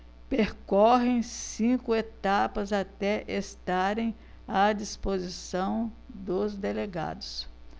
percorrem cinco etapas até estarem à disposição dos delegados